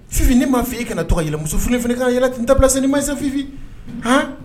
Fifi, ne m'a fɔ i kana to yɛlɛ, muso, Fifi i fana ka na yɛlɛ ten, ni dabila ni maɲi sa Fifi han!